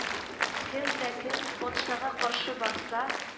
— кем дә кем патшага каршы барса